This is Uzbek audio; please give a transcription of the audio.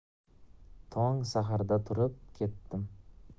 tong saharda turib ketdim